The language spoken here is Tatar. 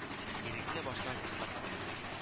Ирекле баштан утка кермиләр